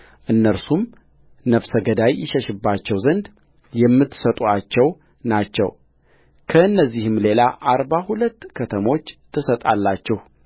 እነርሱም ነፍሰ ገዳይ ይሸሽባቸው ዘንድ የምትሰጡአቸው ናቸው ከእነዚህም ሌላ አርባ ሁለት ከተሞች ትሰጣላችሁ